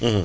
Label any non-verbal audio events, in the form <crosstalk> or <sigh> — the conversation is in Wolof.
<hesitation> <hesitation>